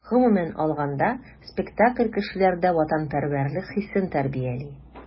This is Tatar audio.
Гомумән алганда, спектакль кешеләрдә ватанпәрвәрлек хисен тәрбияли.